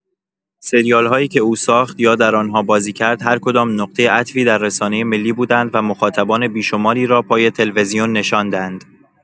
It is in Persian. سریال‌هایی که او ساخت یا در آنها بازی کرد، هر کدام نقطه عطفی در رسانه ملی بودند و مخاطبان بی‌شماری را پای تلویزیون نشاندند.